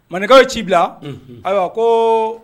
Maninkaw ci bila ayiwa ko